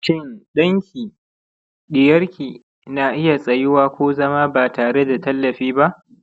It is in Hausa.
shin ɗanki/ɗiyarki na iya tsayuwa ko zama ba tare da tallafi ba